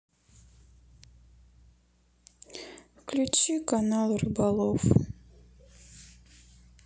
включи канал рыболов